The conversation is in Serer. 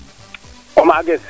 o maages